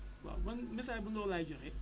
waaw man message bu ndaw laay joxe